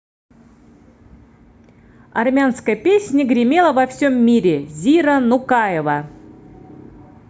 армянская песня гремела во всем мире зира нукаева